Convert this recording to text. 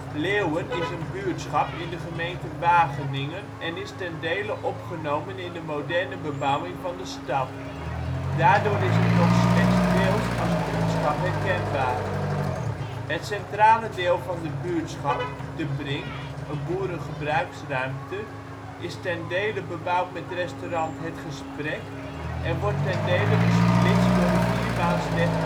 Leeuwen is een buurtschap in de gemeente Wageningen en is ten dele opgenomen in de moderne bebouwing van de stad. Daardoor is het nog slechts deels als buurtschap herkenbaar. Het centrale deel van de buurtschap, de brink (een boerengebruiksruimte), is ten dele bebouwd met restaurant ' Het Gesprek ' en wordt ten dele gesplitst door de vierbaansweg ' Mansholtlaan